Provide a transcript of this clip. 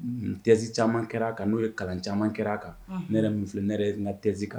Un thèse caaman kɛra a kan n'o ye kalan caaman kɛra a kan. Unhun! Ne yɛrɛ min filɛ ne yɛrɛ ye n ka these kan